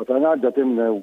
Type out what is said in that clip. Ka n'a datɛ na ye